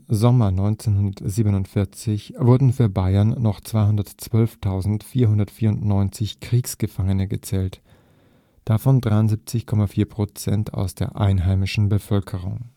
Sommer 1947 wurden für Bayern noch 212.494 Kriegsgefangene gezählt, davon 73.4 % aus der einheimischen Bevölkerung